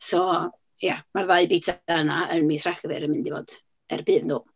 So ia, mae'r ddau bitsa yna yn mis Rhagfyr yn mynd i fod er budd nhw.